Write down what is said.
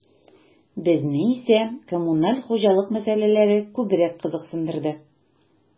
Безне исә коммуналь хуҗалык мәсьәләләре күбрәк кызыксындырды.